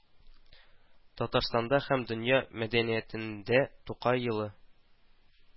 Татарстанда һәм дөнья мәдәниятендә Тукай елы